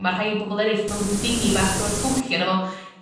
Ma rhai pobol eryll mewn ryw dingy bach sy 'fo twll yno fo.